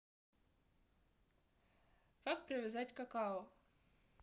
как привязать какао